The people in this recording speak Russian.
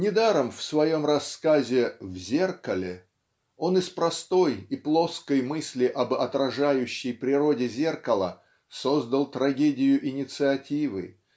Недаром в своем рассказе "В зеркале" он из простой и плоской мысли об отражающей природе зеркала создал трагедию инициативы